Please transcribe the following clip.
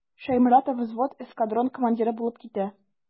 Шәйморатов взвод, эскадрон командиры булып китә.